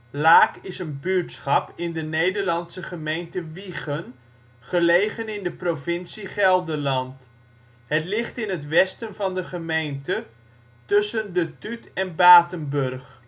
Laak is een buurtschap in de Nederlandse gemeente Wijchen, gelegen in de provincie Gelderland. Het ligt in het westen van de gemeente tussen De Tuut en Batenburg